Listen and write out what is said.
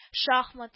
Шахмат